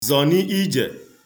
zọ̀ni ijè